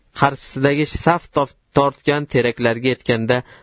qarshisida saf tortgan teraklarga yetganda